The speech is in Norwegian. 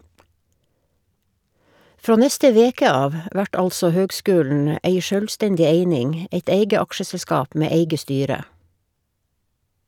Frå neste veke av vert altså høgskulen ei sjølvstendig eining , eit eige aksjeselskap med eige styre.